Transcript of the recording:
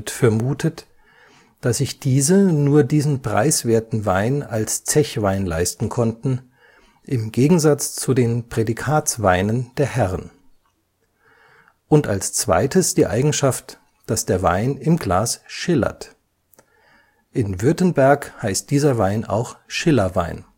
vermutet, da sich diese nur diesen preiswerten Wein als Zechwein leisten konnten im Gegensatz zu den Prädikatsweinen der Herren. Und als Zweites die Eigenschaft, dass der Wein im Glas schillert. In Württemberg heißt dieser Wein auch Schillerwein